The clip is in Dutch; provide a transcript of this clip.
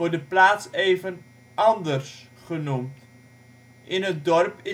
de plaats even Anders genoemd. In het dorp